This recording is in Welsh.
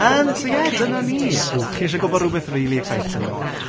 Yym, so ie, dyna ni. Ww! Chi isie gwbod rwbeth exciting though?